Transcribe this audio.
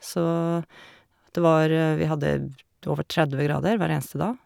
Så det var vi hadde over tredve grader hver eneste dag.